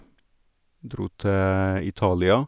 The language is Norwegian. Dro til Italia.